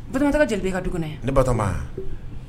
Bama jeli i ka du ne batoma wa